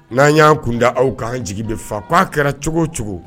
N'an y'an kunda aw k ka anan jigi bɛ faa k' aa kɛra cogo o cogo